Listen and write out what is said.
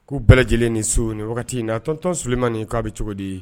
Ko bɛɛ lajɛlen ni su ni waati in na tonton Sulemani k'a bɛ cogo di?